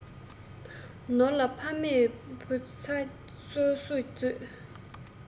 ནོར ལ ཕ མས བུ ཚ གསོ གསོ མཛོད